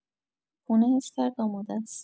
پونه حس کرد آماده‌ست.